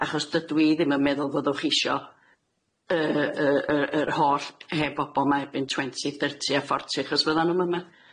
Achos dydw i ddim yn meddwl fyddwch isio y y y yr holl hen bobol 'ma erbyn twenty thirty a forty, achos fyddan nw'm yma.